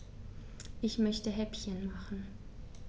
Ich möchte Häppchen machen.